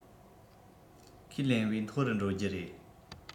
ཁས ལེན བས མཐོ རུ འགྲོ རྒྱུ རེད